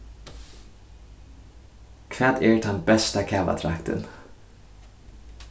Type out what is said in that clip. hvat er tann besta kavadraktin